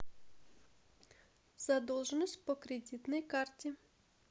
задолженность по кредитной карте